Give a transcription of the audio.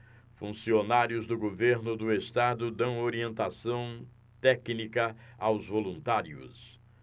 funcionários do governo do estado dão orientação técnica aos voluntários